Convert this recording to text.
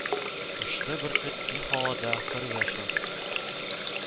Очты бөркет киң һавада хөрвәшат